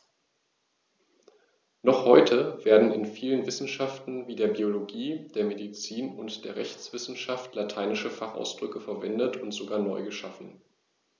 Noch heute werden in vielen Wissenschaften wie der Biologie, der Medizin und der Rechtswissenschaft lateinische Fachausdrücke verwendet und sogar neu geschaffen.